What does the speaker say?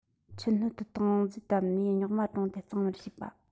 ཆུ སྣོད དུ དྭངས རྫས བཏབ ནས རྙོག མ བགྲུངས ཏེ གཙང མར བྱས པ